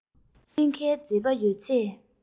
གླིང གའི མཛེས པ ཡོད ཚད